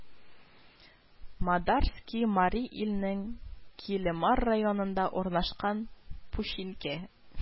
Мадарский Мари Илнең Килемар районында урнашкан пүчинкә